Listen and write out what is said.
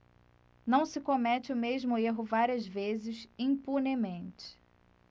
não se comete o mesmo erro várias vezes impunemente